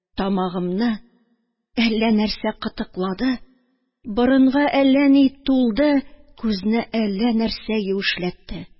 Тамагымны әллә нәрсә кытыклады, борынга әллә ни тулды, күзне әллә нәрсә юешләтте